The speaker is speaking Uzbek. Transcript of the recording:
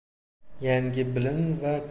yangi bilim va